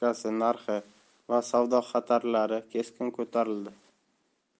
narxi va savdo xatarlari keskin ko'tarildi